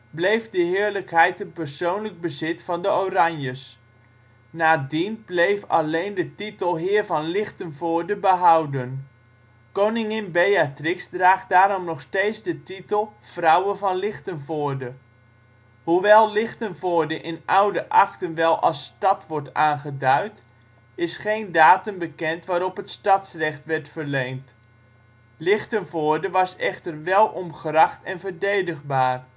bleef de heerlijkheid een persoonlijk bezit van de Oranjes. Nadien bleef alleen de titel " Heer van Lichtenvoorde " behouden. Koningin Beatrix draagt daarom nog steeds de titel ' Vrouwe van Lichtenvoorde '. Hoewel Lichtenvoorde in oude akten wel als stad wordt aangeduid is geen datum bekend waarop het stadsrecht werd verleend. Lichtenvoorde was echter wel omgracht en verdedigbaar